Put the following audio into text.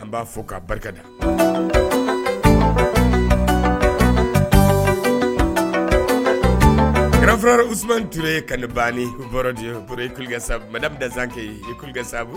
An b'a fɔ k'a barikada kɛrɛfɛfs in tunur ye kan ban sa malidadke sa